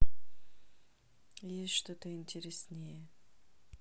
есть что то интереснее